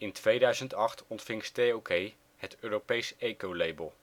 2008 ontving Stayokay het Europees ecolabel